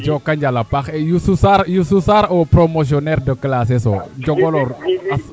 jokonjal a paax Youssou Sarr au promotionnaire de classe seo Njongoloor